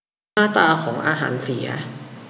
หน้าตาของอาหารเสีย